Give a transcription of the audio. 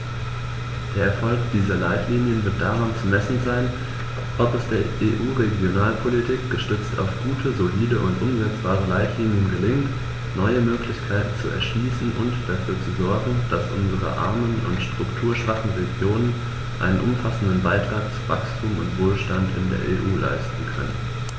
Der Erfolg dieser Leitlinien wird daran zu messen sein, ob es der EU-Regionalpolitik, gestützt auf gute, solide und umsetzbare Leitlinien, gelingt, neue Möglichkeiten zu erschließen und dafür zu sorgen, dass unsere armen und strukturschwachen Regionen einen umfassenden Beitrag zu Wachstum und Wohlstand in der EU leisten können.